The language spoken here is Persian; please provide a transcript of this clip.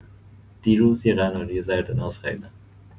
دیروز یه قناری زرد ناز خریدم.